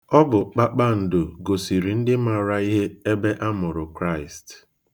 Ọ bụ kpakpando gosiri ndị mara ihe ebe a mụrụ Kraist.